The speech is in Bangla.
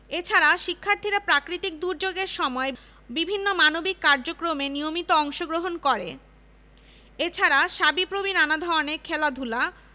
চিকিৎসা বিজ্ঞান অনুষদভুক্ত চারটি মেডিকেল কলেজ হলো সিলেট সরকারি MAG Osmani medical college Jalalabad Ragib Rabeya medical college